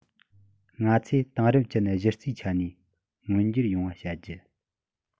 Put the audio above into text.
ང ཚོས དེང རབས ཅན གཞི རྩའི ཆ ནས མངོན འགྱུར ཡོང བ བྱ རྒྱུ